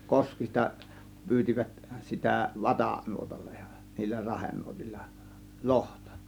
koskista pyysivät sitä - vatanuotalla ja niillä rahenuotilla lohta